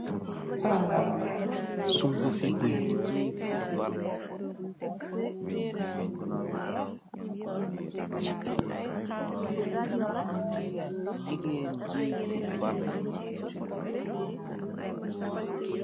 Lii amb tangal la